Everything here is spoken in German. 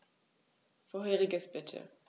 Vorheriges bitte.